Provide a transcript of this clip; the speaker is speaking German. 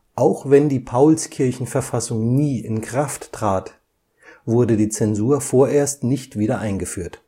Auch wenn die Paulskirchenverfassung nie in Kraft trat, wurde die Zensur vorerst nicht wieder eingeführt